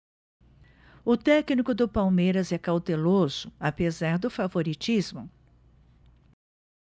o técnico do palmeiras é cauteloso apesar do favoritismo